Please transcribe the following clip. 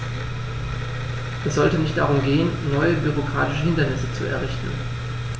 Es sollte nicht darum gehen, neue bürokratische Hindernisse zu errichten.